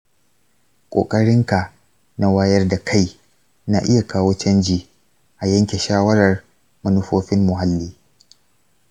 ƙoƙarinka na wayar da kai na iya kawo canji a yanke shawarar manufofin muhalli.